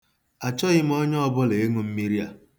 Achọghị onye ọbụla ịṅụ mmiri a.